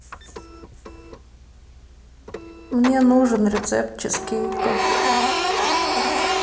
мне нужен рецепт чизкейка